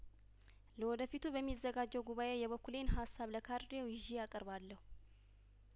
ለወደፊቱ በሚዘጋጀው ጉባኤ የበኩሌን ሀሳብ ለካድሬው ይዤ አቀርባለሁ